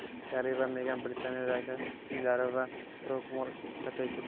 garri va megan britaniyadagi uylari frogmor kotteji